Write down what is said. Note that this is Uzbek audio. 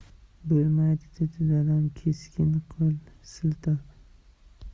bo'lmaydi dedi dadam keskin qo'l siltab